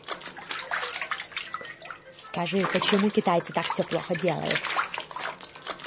скажи почему китайцы так все плохо делают